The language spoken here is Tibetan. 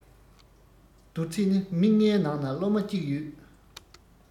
བསྡུར ཚད ནི མི ལྔའི ནང ན སློབ མ གཅིག ཡོད